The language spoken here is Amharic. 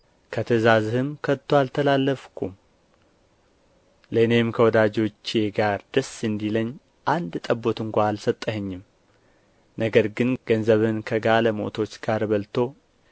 ከትእዛዝህም ከቶ አልተላለፍሁም ለእኔም ከወዳጆቼ ጋር ደስ እንዲለኝ አንድ ጥቦት ስንኳ አልሰጠኸኝም ነገር ግን ገንዘብህን ከጋለሞቶች ጋር በልቶ